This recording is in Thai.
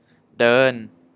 เดิน